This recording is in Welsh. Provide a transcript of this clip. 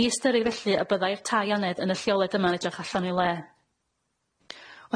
Ni ystyrir felly y byddai'r tai anedd yn y lleolad yma'n edrych allan i le.